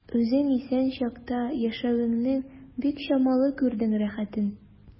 Үзең исән чакта яшәвеңнең бик чамалы күрдең рәхәтен.